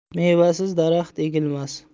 mevasiz daraxt egilmas